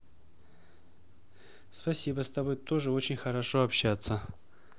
спасибо с тобой тоже очень хорошо общаться